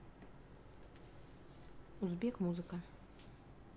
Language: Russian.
узбек музыка